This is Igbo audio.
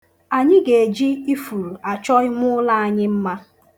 Anyị ga-eji ifuru achọ imụlọ anyị mma.